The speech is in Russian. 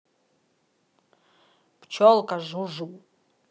пчелка жу жу